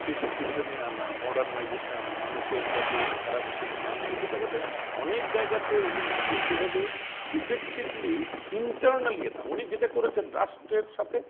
কে ডিসিপ্লিনে আনা মর্ডানাইজেশন মানুষের যাতে হারাসমেন্ট না হয় এসব জায়গাতে অনেক জায়গাতে উনি কিন্তু সেভাবে ইফেক্টিভলি ইন্টার্নালি না উনি যেটা করেছেন রাষ্ট্রের সাথে